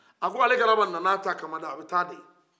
a k'ale galaba nana a ta kama a bɛ taa de